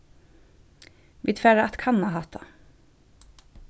vit fara at kanna hatta